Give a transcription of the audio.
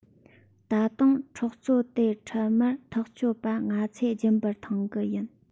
ད དུང འཕྲོག རྩོད དེ འཕྲལ མར ཐག གཅོད པ ང ཚོས རྒྱུན པར མཐོང གི ཡིན